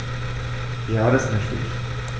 Ja, das möchte ich.